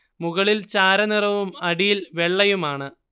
മുകളിൽ ചാര നിറവും അടിയിൽ വെള്ളയുമാണ്